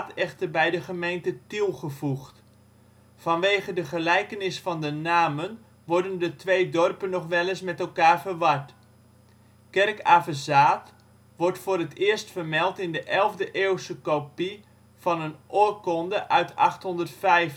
echter bij de gemeente Tiel gevoegd. Vanwege de gelijkenis van de namen worden de twee dorpen nog wel eens met elkaar verward. Kerk-Avezaath wordt voor het eerst vermeld in 11e-eeuwse kopie van een oorkonde uit 850